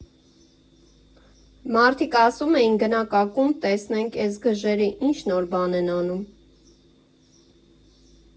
Մարդիկ ասում էին՝ գնանք ակումբ, տեսնենք՝ էս գժերը ինչ նոր բաներ են անում։